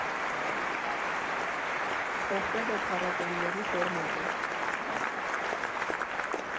«Փոխվել է փառատոների ֆորմատը։